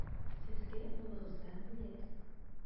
Сезгә улыгыздан бүләк.